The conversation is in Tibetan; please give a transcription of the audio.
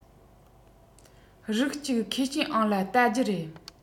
རིགས གཅིག མཁས ཅན ཨང ལ བལྟ རྒྱུ རེད